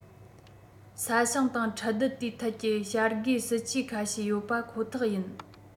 ས ཞིང དང ཁྲལ བསྡུ དེའི ཐད ཀྱི བྱ དགའི སྲིད ཇུས ཁ ཤས ཡོད པ ཁོ ཐག ཡིན